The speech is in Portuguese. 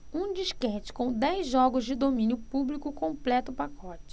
um disquete com dez jogos de domínio público completa o pacote